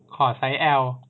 ขอไซส์แอล